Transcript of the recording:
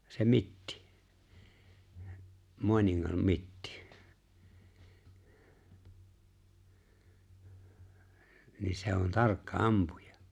se Mitti Maaningan Mitti niin se on tarkka ampuja